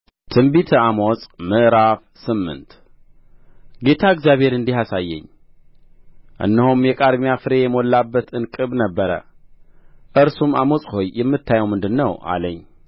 ትንቢተ አሞጽ ምዕራፍ ስምንት ጌታ እግዚአብሔር እንዲህ አሳየኝ እነሆም የቃርሚያ ፍሬ የሞላበት ዕንቅብ ነበረ እርሱም አሞጽ ሆይ የምታየው ምንድር ነው አለኝ